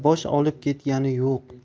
deb bosh olib ketgani yo'q